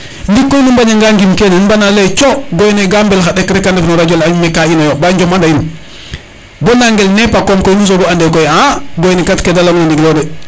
ndiki koy nu mbaña nga ngim kene bana leye co goyene ga mbel xa ndek rek a ndef no radio le maka ino yo ba njom ana ind bo nanagel neepa koom koy nu sogo ande koy a goyene kat kede leyogina ndiglo de